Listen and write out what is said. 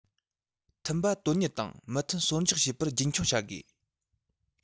མཐུན པ དོན གཉེར དང མི མཐུན སོར འཇོག བྱེད པར རྒྱུན འཁྱོངས བྱ དགོས